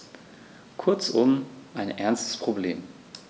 Kurzum, ein ernstes Problem.